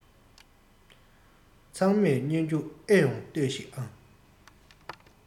ཚང མས སྨོན རྒྱུ ཨེ ཡོང ལྟོས ཤིག ཨང